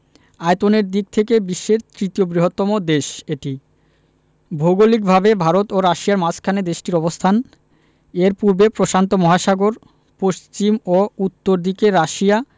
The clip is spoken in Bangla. আয়তনের দিক থেকে বিশ্বের তৃতীয় বৃহত্তম দেশ এটি ভৌগলিকভাবে ভারত ও রাশিয়ার মাঝখানে দেশটির অবস্থান এর পূর্বে প্রশান্ত মহাসাগর পশ্চিম ও উত্তর দিকে রাশিয়া